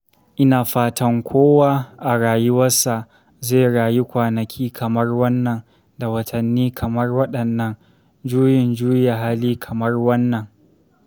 Ina fatan kowa, a rayuwarsa, zai rayu kwanaki kamar wannan, da watanni kamar waɗannan, juyin juya hali kamar wannan. #tunisia #tnelec